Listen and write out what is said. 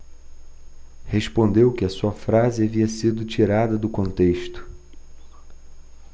respondeu que a sua frase havia sido tirada do contexto